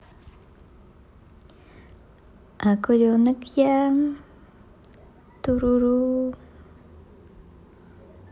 акуленок я туруруру